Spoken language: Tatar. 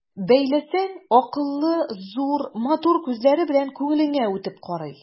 Бәйләсәң, акыллы, зур, матур күзләре белән күңелеңә үтеп карый.